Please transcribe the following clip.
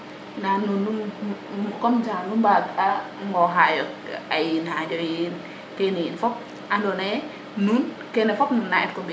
nda nuun comme genre nu mbaag a ŋoxa yo ay najo yiin kene yiin fop ando naye nuun kene fop nua eet ko mbiya noyo